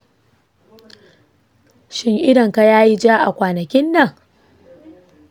shin idon ka yayi jaa a kwanakin nan